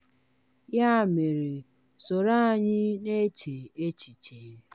Ya mere, soro anyị na-eche echiche!